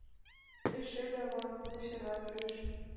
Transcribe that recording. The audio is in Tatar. Эше дә вак, былчырак эш,